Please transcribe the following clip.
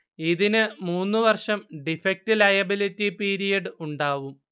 ഇതിന് മൂന്ന് വർഷം ഡിഫക്ട് ലയബിലിറ്റി പീരിയഡ് ഉണ്ടാവും